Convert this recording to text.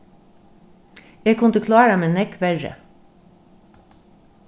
eg kundi klárað meg nógv verri